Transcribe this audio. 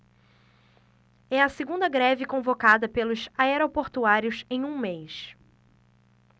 é a segunda greve convocada pelos aeroportuários em um mês